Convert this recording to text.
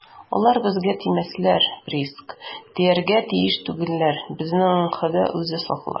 - алар безгә тимәсләр, приск, тияргә тиеш түгелләр, безне хода үзе саклар.